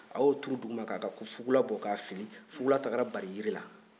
a y'o turu duguma k'a ka fugula bɔ k'a fili fugula taara bari jiri la